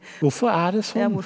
hvorfor er det sånn?